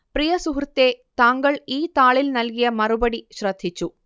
പ്രിയ സുഹൃത്തേ താങ്കൾ ഈ താളിൽ നൽകിയ മറുപടി ശ്രദ്ധിച്ചു